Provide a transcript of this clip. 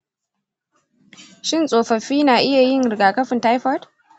shin tsofaffi na iya yin rigakafin taifod?